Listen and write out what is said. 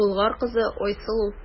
Болгар кызы Айсылу.